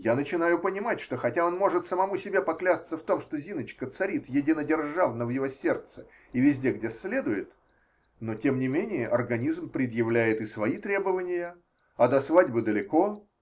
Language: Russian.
Я начинаю понимать, что хотя он может самому себе поклясться в том, что Зиночка царит единодержавно в его сердце и везде, где следует, но тем не менее организм предъявляет и свои требования, а до свадьбы далеко.